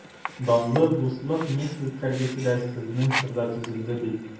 Данлы «Дуслык» нефтьүткәргече дә сезнең чорда төзелде бит...